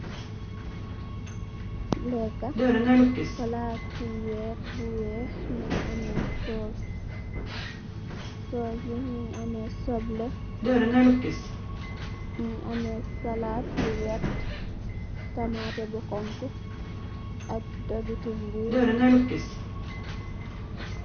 Leka palate werr bu weex muge ameh suss suss be muge ameh suble muge ameh salad bu vert tamate bu xonxo ak dogete muru.